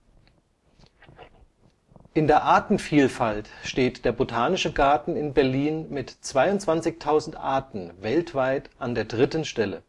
In der Artenvielfalt steht der Botanische Garten in Berlin mit 22.000 Arten weltweit an der dritten Stelle